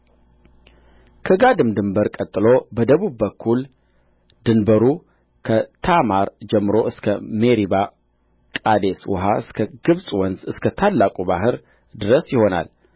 ከጋድም ድንበር ቀጥሎ በደቡብ በኩል ድንበሩ ከታማር ጀምሮ እስከ ሜሪባ ቃዴስ ውኃ እስከ ግብጽ ወንዝ እስከ ታላቁ ባሕር ድረስ ይሆናል